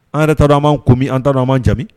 An yɛrɛ taarar anma ko an taara n' man jaabi